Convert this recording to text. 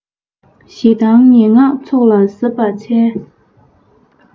ཞེ སྡང ངན སྔགས ཚོགས ལ གཟབ པར འཚལ